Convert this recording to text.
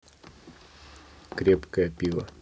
крепкое пиво